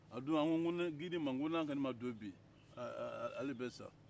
a don an ko sirajirala ma ko n'an kɔnin ma don bi ale bɛ sa